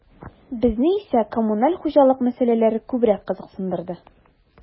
Безне исә коммуналь хуҗалык мәсьәләләре күбрәк кызыксындырды.